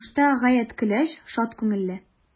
Тормышта гаять көләч, шат күңелле.